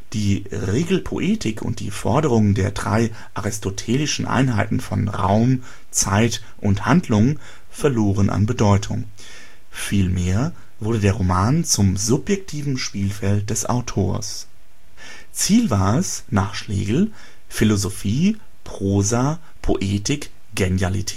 Die Regelpoetik und die Forderungen der drei aristotelischen Einheiten von Raum, Zeit und Handlungen verloren an Bedeutung, vielmehr wurde der Roman zum subjektiven Spielfeld des Autors. Ziel war es – nach Schlegel – Philosophie, Prosa, Poetik, Genialität